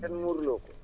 ngeen muurloo ko